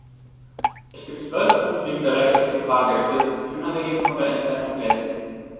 Es gibt 12 grundlegende Rechte für Fahrgäste, die unabhängig von der Entfernung gelten.